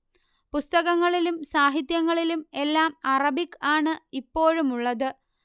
പുസ്തകങ്ങളിലും സാഹിത്യങ്ങളിലും എല്ലാം അറബിക് ആണ് ഇപ്പോഴുമുള്ളത്